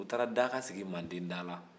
u taara daga sigi manden da la